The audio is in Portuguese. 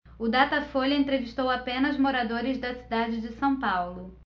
o datafolha entrevistou apenas moradores da cidade de são paulo